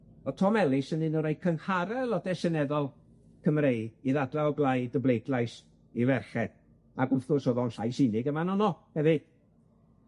o'dd Tom Ellis yn un o'r rei cynghara aelode seneddol Cymreig i ddadla o blaid y bleidlais i ferched, ac wrth gwrs o'dd o'n llais unig yn fan yno hefyd.